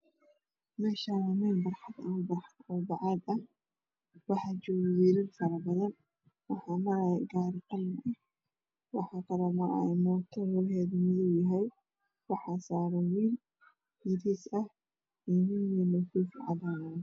Meshanwaa meel barxad oo bacad ah waxaa joogo wilal fara badan waxaa amroyo Gari qalin ah waxaa kaloo marayo mooto lugu heeda madow yahay waxaa saran wiil yariis ah iyo nin ween oo koofi cadan ah wato